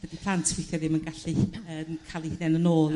dydy plant w'ithie ddim yn gallu yrm cael 'u hunen yn ôl